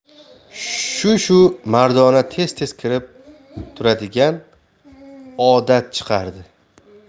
shu shu mardona tez tez kirib turadigan odat chiqardi